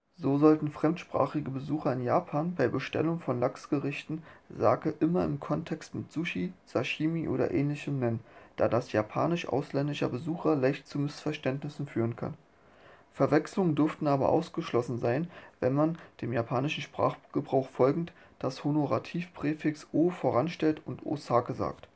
So sollten fremdsprachige Besucher in Japan bei Bestellung von Lachs-Gerichten „ Sake “immer im Kontext mit Sushi, Sashimi oder Ähnlichem nennen, da das Japanisch ausländischer Besucher leicht zu Missverständnissen führen kann. Verwechslungen dürften aber ausgeschlossen sein, wenn man, dem japanischen Sprachgebrauch folgend, das Honorativpräfix „ o “voranstellt und „ osake “sagt